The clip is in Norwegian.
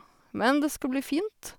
Men det skal bli fint.